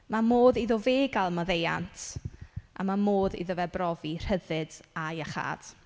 Ma' modd iddo fe gael maddeuant a ma' modd iddo fe brofi rhyddid a iachâd.